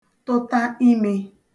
tụta imē